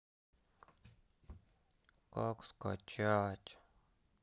как скачать